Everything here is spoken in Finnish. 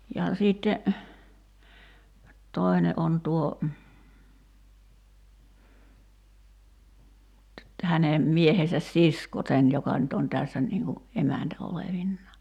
ja sitten toinen on tuo hänen miehensä sisko sen joka nyt on tässä niin kuin emäntä olevinaan